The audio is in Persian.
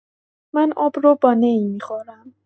من آب رو با نی می‌خورم.